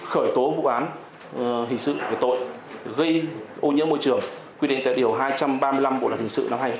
khởi tố vụ án hình sự về tội gây ô nhiễm môi trường quy định tại điều hai trăm ba mươi lăm bộ luật hình sự năm hai